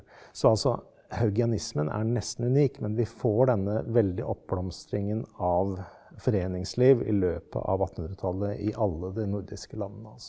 så altså haugianismen er nesten unik men vi får denne veldige oppblomstringen av foreningsliv i løpet av attenhundretallet i alle de nordiske landene altså.